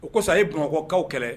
O ko sa a ye bamakɔkaw kɛlɛ